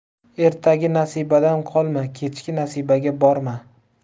ertagi nasibadan qolma kechki nasibaga borma